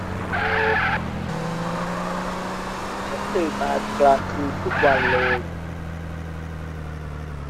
ฉันตื่นมากลางคืนทุกวันเลย